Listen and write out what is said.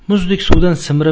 muzdek suvdan simirib